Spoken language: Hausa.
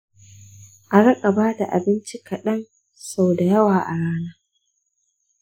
a riƙa ba da abinci kaɗan sau da yawa a rana.